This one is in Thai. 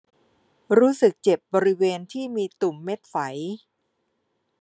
รู้สึกเจ็บบริเวณที่มีตุ่มเม็ดไฝ